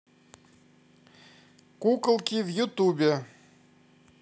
куколки в ютубе